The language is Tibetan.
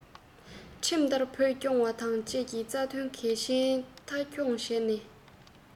བོད ཀྱི ལས དོན གྱི མཛུབ ཁྲིད བསམ བློ མཐའ འཁྱོངས དང